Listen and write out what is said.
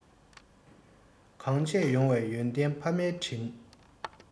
གང བྱས ཡོང བའི ཡོན ཏན ཕ མའི དྲིན